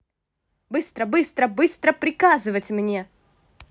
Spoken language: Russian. быстро быстро быстро приказывать мне